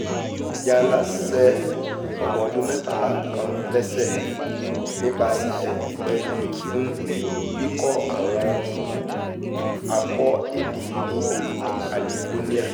Ẹja ńlá ṣè ọmọ ọdún mẹ́tàla kan léṣe nípaṣẹ̀ ìbẹ̵̵́lumi fún kíkó àwọn ako edé ní ìlú Kalifóníà